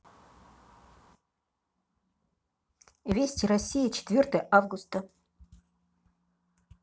вести россия четвертое августа